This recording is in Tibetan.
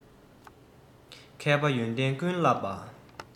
མཁས པ ཡོན ཏན ཀུན བསླབས པ